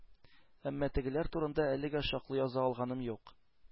Әмма тегеләр турында әлегә чаклы яза алганым юк.